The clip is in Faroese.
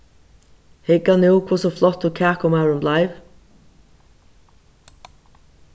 hygga nú hvussu flottur kakumaðurin bleiv